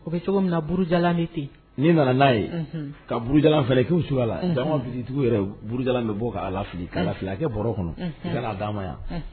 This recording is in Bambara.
O bɛ cogo min na burujalan bɛ ten, n'i nana n'a ye ka burujalan fana k'o cogoya la, unhun, sango boutique tigiw yɛrɛ burujalan bɛ bɔ k'a lafili a kɛ bɔrɔ kɔnɔ, i ka n'a d'an ma yan , unhun